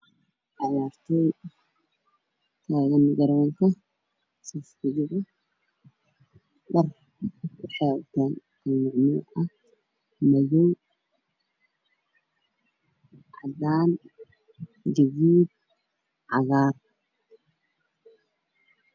Ciyaar tooy taagan gatoon ka dhar waxay wataa madaw cadaan guduud cagaar